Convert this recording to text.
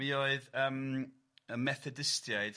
Mi oedd yym y Methodistiaid